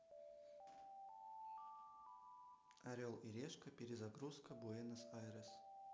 орел и решка перезагрузка буэнос айрес